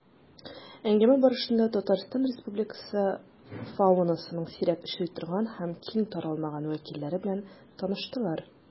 Әңгәмә барышында Татарстан Республикасы фаунасының сирәк очрый торган һәм киң таралмаган вәкилләре белән таныштылар.